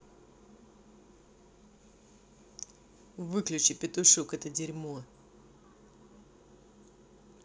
выключи петушок это дерьмо